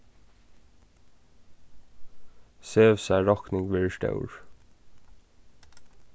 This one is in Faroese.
sev'sa rokning verður stór